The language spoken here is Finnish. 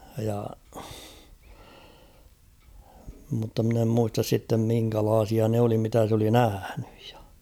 ja mutta minä en muista sitten minkälaisia ne oli mitä se oli nähnyt ja